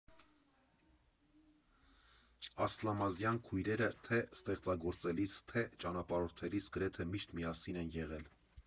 Ասլամազյան քույրերը թե՛ ստեղծագործելիս, թե՛ ճանապարհորդելիս գրեթե միշտ միասին են եղել։